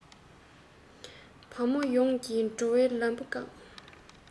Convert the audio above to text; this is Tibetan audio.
བ མོ ཡོངས ཀྱི འགྲོ བའི ལམ བུ བཀག